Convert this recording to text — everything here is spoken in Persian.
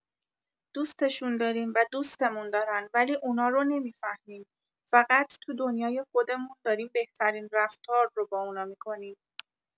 دوستشون داریم و دوستمون دارن، ولی اونارو نمی‌فهمیم؛ فقط تو دنیای خودمون داریم بهترین رفتار رو با اونا می‌کنیم.